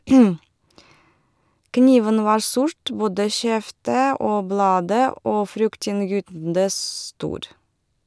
Kniven var sort, både skjeftet og bladet, og fryktinngytende stor.